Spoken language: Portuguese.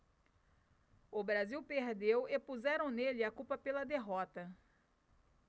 o brasil perdeu e puseram nele a culpa pela derrota